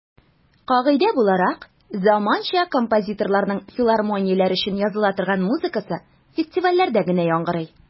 Кагыйдә буларак, заманча композиторларның филармонияләр өчен языла торган музыкасы фестивальләрдә генә яңгырый.